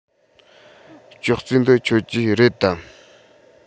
ཅོག ཙེ འདི ཁྱོད ཀྱི རེད དམ